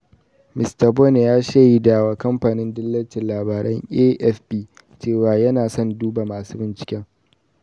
Mista Bone ya shaida wa kamfanin dillancin labaran AFP cewa, yana son 'duba' 'Masu binciken'.